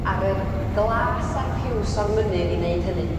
ar yr glas a'r piws o'r mynydd i neud hynny